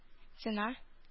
Цена